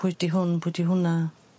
Pwy 'di hwn pwy 'di hwnna.